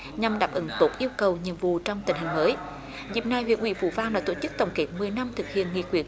nhằm đáp ứng tốt yêu cầu nhiệm vụ trong tình hình mới dịp này huyện ủy phú vang đã tổ chức tổng kết mười năm thực hiện nghị quyết